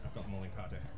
I've got them all in Cardiff.